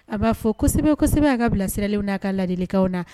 A b'a fɔ , kosɛbɛ, kosɛbɛ , a ka bilasiralenw n'a ka ladilikaw na.